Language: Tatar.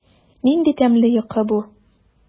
Нинди тәмле йокы бу!